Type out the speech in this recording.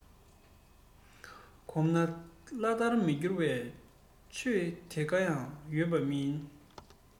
གོམས ན སླ བར མི འགྱུར བའི ཆོས དེ གང ནའང ཡོད མ ཡིན